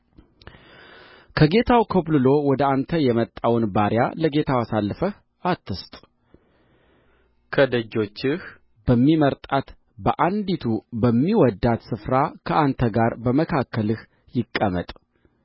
ከጌታው ኮብልሎ ወደ አንተ የመጣውን ባሪያ ለጌታው አሳልፈህ አትስጥ ከደጆችህ በሚመርጣት በአንዲቱ በሚወድዳት ስፍራ ከአንተ ጋር በመካከልህ ይቀመጥ